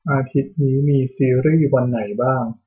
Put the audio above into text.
อาทิตย์นี้มีซีรีย์วันไหนบ้าง